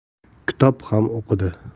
kitob ham o'qidi